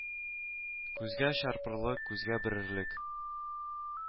Күзгә чарпырлык күзгә бөрерлек